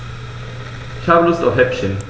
Ich habe Lust auf Häppchen.